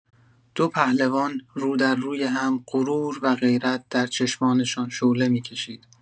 دو پهلوان، رودرروی هم، غرور و غیرت در چشمانشان شعله می‌کشید.